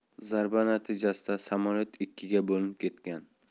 zarba natijasida samolyot ikkiga bo'linib ketgan